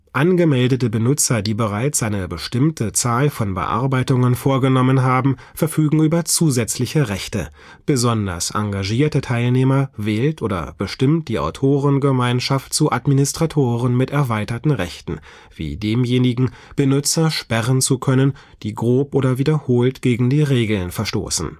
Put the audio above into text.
Angemeldete Benutzer, die bereits eine bestimmte Zahl von Bearbeitungen vorgenommen haben, verfügen über zusätzliche Rechte; besonders engagierte Teilnehmer wählt oder bestimmt die Autorengemeinschaft zu Administratoren mit erweiterten Rechten, wie demjenigen, Benutzer sperren zu können, die grob oder wiederholt gegen die Regeln verstoßen